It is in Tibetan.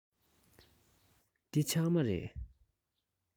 འདི ཕྱགས མ རེད